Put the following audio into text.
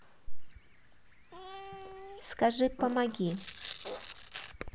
скажи помоги